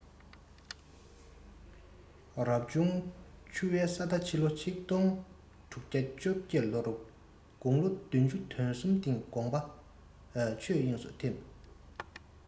རབ བྱུང བཅུ བའི ས རྟ ཕྱི ལོ ༡༦༡༨ ལོར དགུང ལོ བདུན ཅུ དོན གསུམ སྟེང དགོངས པ ཆོས དབྱིངས སུ འཐིམས